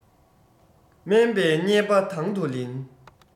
དམན པའི བརྙས པ དང དུ ལེན